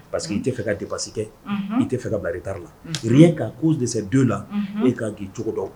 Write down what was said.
Parce que i tɛ fɛ ka dépense kɛ unhun i tɛ fɛ ka bila retard la unhun rien qu'à cause de ces 2 là unhun e kaan k'i cogo dɔn